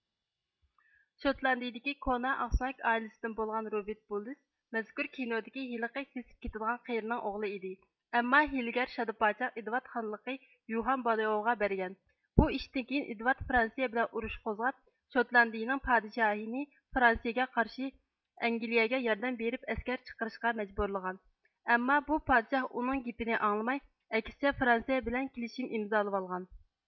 شوتلاندىيىدىكى كونا ئاقسۆڭەك ئائىلىسىدىن بولغان روبىرت بۇلۇس مەزكۇر كىنودىكى ھېلىقى سېسىپ كىتىدىغان قېرىنىڭ ئوغلى ئىدى ئەمما ھىيلىگەر شادا پاچاق ئىدۋارد خانلىقنى يوھان بالىئوۋرغا بەرگەن بۇ ئىشتىن كىيىن ئىدۋارد فىرانسىيە بىلەن ئۇرۇش قوزغاپ شوتلاندىيىنىڭ پادىشاھىنى فىرانسىيىگە قارشى ئەنگىلىيەگە ياردەم بىرىپ ئەسكەر چىقىرىشقا مەجبۇرلىغان ئەمما بۇ پادىشاھ ئۇنىڭ گېپىنى ئاڭلىماي ئەكسىچە فىرانسىيە بىلەن كىلىشىم ئىمزالىۋالغان